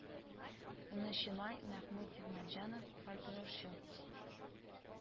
Унынчы май мәхмүт нигъмәтҗанов, фольклорчы